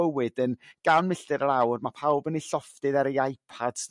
bywyd yn gan milltir yr awr ma' pawb yn 'u llofftydd ar 'u IPads